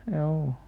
joo